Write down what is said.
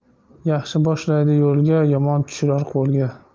yaxshi boshlaydi yo'lga yomon tushirar qo'lga